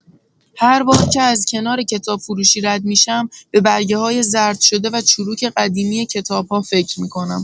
هر بار که از کنار کتابفروشی رد می‌شم به برگه‌های زرد شده و چروک قدیمی کتاب‌ها فکر می‌کنم.